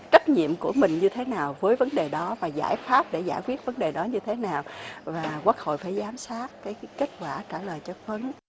trách nhiệm của mình như thế nào với vấn đề đó và giải pháp để giải quyết vấn đề đó như thế nào và quốc hội phải giám sát với kết quả trả lời chất vấn